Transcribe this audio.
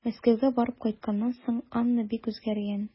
Мәскәүгә барып кайтканнан соң Анна бик үзгәргән.